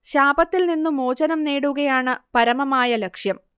ശാപത്തിൽ നിന്നു മോചനം നേടുകയാണു പരമമായ ലക്ഷ്യം